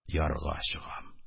Ярга чыгам